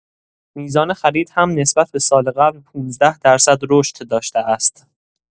میزان خرید هم نسبت به سال قبل ۱۵ درصد رشد داشته است.